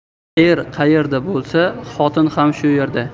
er qayerda bo'lsa xotin ham shu yerda